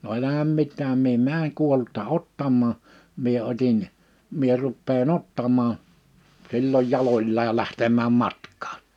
no älä mitään minä menen kuollutta ottamaan minä otin minä rupean ottamaan silloin jaloillaan ja lähtemään matkaan